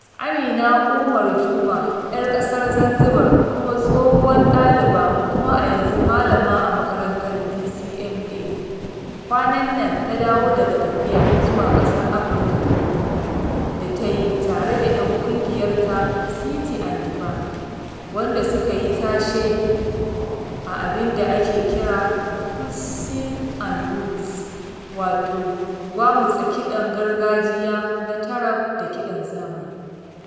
Amina Omar Juma "yar ƙasar Zanzibar kuma tsohuwar ɗaliba kuma a yanzu malama a makarantar DCMA kwanan nan ta dawo daga tafiya zuwa ƙasar Afirka ta Kudu da ta yi tare da 'yan ƙungiyarta ta "Siti and the Band" waɗanda suka yi tashe a abinda ake kira "fusing the roots" wato gwamutsa kiɗan gargajiya na taarab da kiɗan zamani.